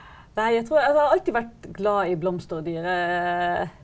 nei jeg tror jeg har alltid vært glad i blomster og dyr .